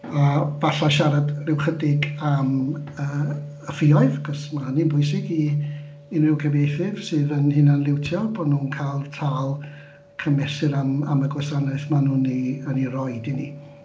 A falle siarad ryw chydig am yy y ffïoedd, achos ma' hynny'n bwysig i unrhyw gyfeithydd sydd yn hunanliwtio bod nhw'n cael tâl cymesur am am y gwasanaeth maen nhw'n ei... yn ei roi i ni.